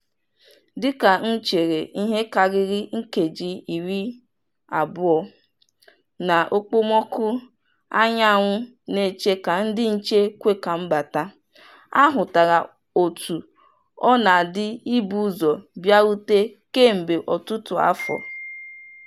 Dịka m chere ihe karịrị nkeji 20 n’okpomọkụ anyanwụ na-eche ka ndị nche kwe ka m bata, ahụtara otú ọ na-adị ibu ụzọ bịarute kemgbe ọtụtụ afọ.